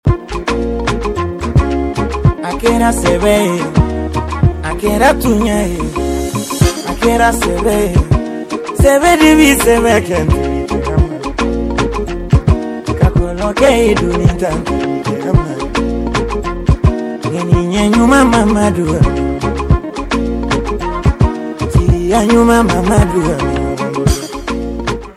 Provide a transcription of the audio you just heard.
A kɛra sɛ ye a kɛra kun ye a kɛra sɛ sɛ de bɛ sɛ kɛmɛ ka jeli ɲuman mamadu ɲuman mamadu